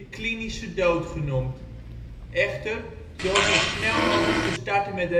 klinische dood genoemd. Echter, door zo snel mogelijk te starten met